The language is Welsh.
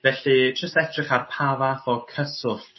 enghraifft felly jyst edrych ar pa fath o' cyswllt